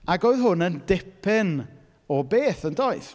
Ac oedd hwn yn dipyn o beth, yn doedd?